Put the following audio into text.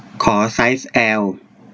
ขอไซส์แอล